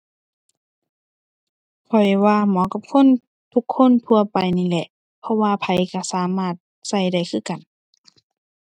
ข้อยว่าเหมาะกับคนทุกคนทั่วไปนี่แหละ เพราะว่าไผก็สามารถก็ได้คือกัน